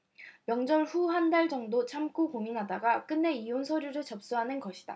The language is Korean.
명절 후 한달 정도 참고 고민하다가 끝내 이혼 서류를 접수하는 것이다